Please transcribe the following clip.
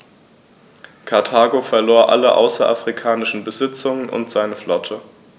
Karthago verlor alle außerafrikanischen Besitzungen und seine Flotte.